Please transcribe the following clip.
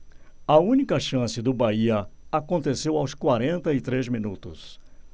a única chance do bahia aconteceu aos quarenta e três minutos